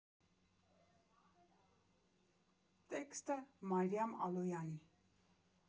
Տեքստը՝ Մարիամ Ալոյանի։